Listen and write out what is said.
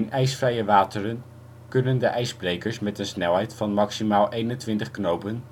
ijsvrije wateren kunnen de ijsbrekers met een snelheid van maximaal 21 knopen